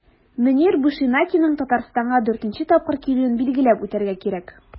Мөнир Бушенакиның Татарстанга 4 нче тапкыр килүен билгеләп үтәргә кирәк.